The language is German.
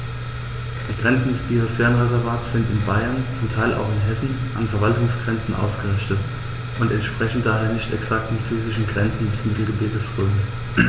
Die Grenzen des Biosphärenreservates sind in Bayern, zum Teil auch in Hessen, an Verwaltungsgrenzen ausgerichtet und entsprechen daher nicht exakten physischen Grenzen des Mittelgebirges Rhön.